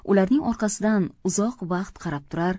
ularning orqasidan uzoq vaqt qarab turar